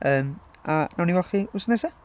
Yym, a wnawn ni weld chi wythnos nesa?